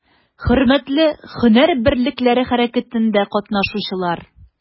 Хөрмәтле һөнәр берлекләре хәрәкәтендә катнашучылар!